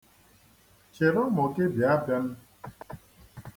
Chịrị ụmụ gị bịa bem.